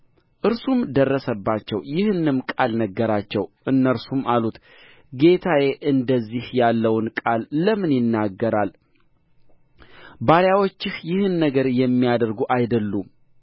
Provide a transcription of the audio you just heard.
እርሱም ደርሰባቸው ይህንም ቃል ነገራቸው እነርሱም አሉት ጌታዬ እንደዚህ ያለውን ቃል ለምን ይናገራል ባሪያዎችህ ይህን ነገር የሚያደርጉ አይደሉም